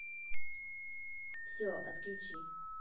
все отключи